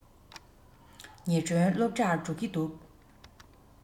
ཉི སྒྲོན སློབ གྲྭར འགྲོ གི འདུག